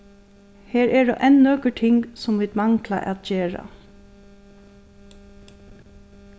her eru enn nøkur ting sum vit mangla at gera